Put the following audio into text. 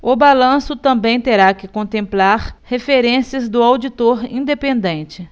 o balanço também terá que contemplar referências do auditor independente